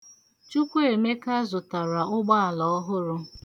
Chukwuemēkā zụtara ụgbaala ọhụrụ.